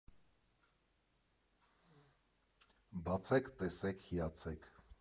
Բացեք, տեսեք, հիացեք։